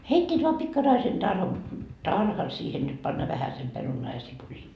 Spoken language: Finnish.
heittivät vain pikkaraisen - tarhan siihen niitä panna vähäsen perunaa ja sipulia